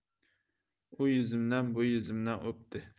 u yuzimdan bu yuzimdan o'pdi